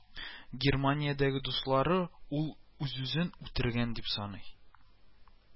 Германиядәге дуслары, ул үзүзен үтергән, дип саный